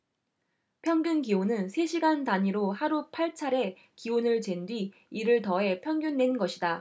평균기온은 세 시간 단위로 하루 팔 차례 기온을 잰 뒤 이를 더해 평균 낸 것이다